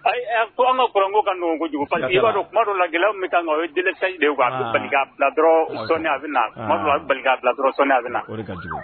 E ayi kɔrɔ anw ka kuranko ka nɔgɔn kojugu parce que i b'a dɔn tuma dɔw la gɛlɛya min bɛ k'an kan o ye délestage de ye _quoi a bɛ bali k'a bila dɔrɔn sɔɔnin a bɛ bali k'a bila dɔrɔn sɔɔnin o de ka jugu